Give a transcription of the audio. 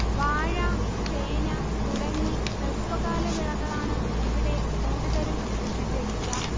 വാഴ ചേന തുടങ്ങി ഹ്രസ്വകാലവിളകളാണ് ഇവിടെ കൂടുതലും കൃഷിചെയ്യുക